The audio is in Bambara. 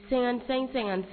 Sfɛn sgan tɛ